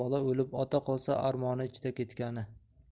bola o'lib ota qolsa armoni ichda ketgani